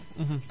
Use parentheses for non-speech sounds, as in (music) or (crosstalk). (hesitation) (hesitation)